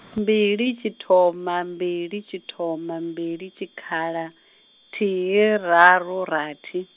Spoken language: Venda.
mbili tshithoma mbili tshithoma mbili tshikhala, thihi raru rathi.